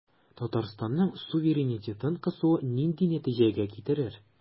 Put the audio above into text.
Татарстанның суверенитетын кысу нинди нәтиҗәгә китерер?